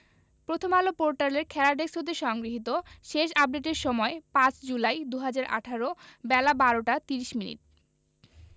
প্রথমআলো পোর্টালের খেলা ডেস্ক হতে সংগৃহীত শেষ আপডেটের সময় ৫ জুলাই ২০১৮ বেলা ১২টা ৩০মিনিট